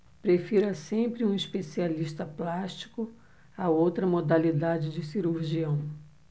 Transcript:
prefira sempre um especialista plástico a outra modalidade de cirurgião